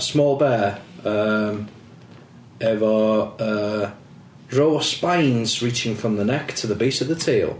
small bear yym efo yy row of spines reaching from the neck to the base of the tail.